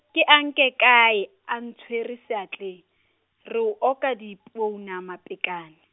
ke a nke kae, a ntshwere seatleng? Re o oka dipounama pekane.